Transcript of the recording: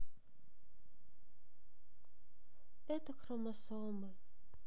это хромосомы